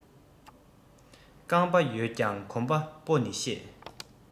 རྐང པ ཡོད ཀྱང གོམ པ སྤོ ནི ཤེས